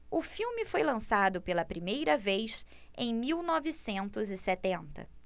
o filme foi lançado pela primeira vez em mil novecentos e setenta